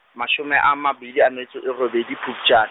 mashome a mabedi a metso e robedi phupjan-.